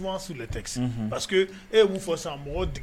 E' fɔ